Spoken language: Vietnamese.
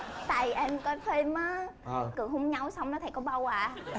tại em coi phim á cứ hôn nhau xong nó sẽ có bầu à